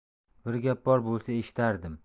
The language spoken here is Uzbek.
bir gap bor bo'lsa eshitardim